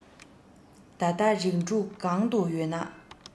ད ལྟ རིགས དྲུག གང དུ ཡོད ན